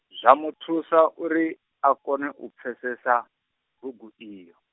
zwa mu thusa uri, a kone u pfesesa, bugu iyo.